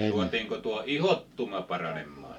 saatiinko tuo ihottuma paranemaan